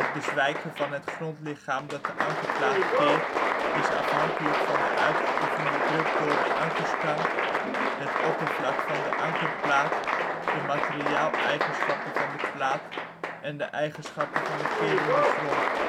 bezwijken van het grondlichaam dat de ankerplaat keert is afhankelijk van de De uitgeoefende druk door de ankerstang, het oppervlak van de ankerplaat, de materiaaleigenschappen van de plaat en de eigenschappen van de kerende grond